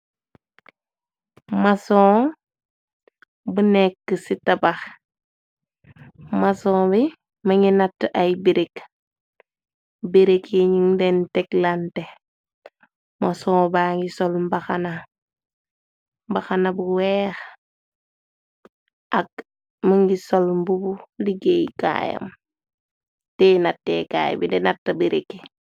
Mason bu nekk ci tabax, mason bi mëngi natt ay birik, birik yi ñi leen tek lante . Mason bangi sol mbaxana, mbaxana bu weex, ak mëngi sol mbubu liggéey kayam tehe natt kaay bi di natt birik yi.